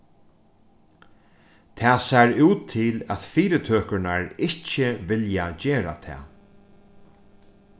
tað sær út til at fyritøkurnar ikki vilja gera tað